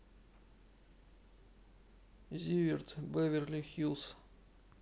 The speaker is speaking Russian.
зиверт беверли хилс